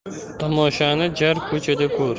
tomoshani jar ko'chada ko'r